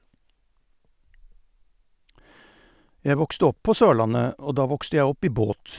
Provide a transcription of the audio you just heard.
Jeg vokste opp på Sørlandet, og da vokste jeg opp i båt.